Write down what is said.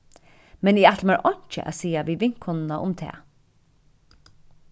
men eg ætli mær einki at siga við vinkonuna um tað